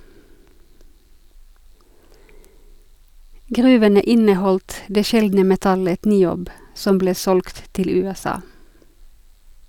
Gruvene inneholdt det sjeldne metallet niob , som ble solgt til USA.